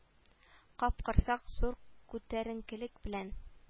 Капкорсак зур күтәренкелек белән